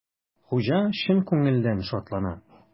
Хуҗа чын күңелдән шатлана.